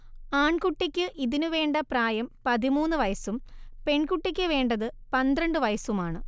ആൺകുട്ടിക്ക് ഇതിനു വേണ്ട പ്രായം പതിമൂന്ന് വയസ്സും പെൺകുട്ടിക്കു വേണ്ടത് പന്ത്രണ്ട് വയസ്സുമാണ്